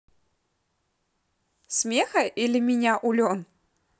смеха или меня у лен